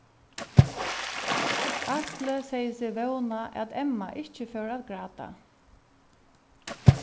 atli segði seg vóna at emma ikki fór at gráta